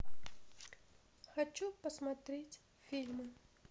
хочу посмотреть фильм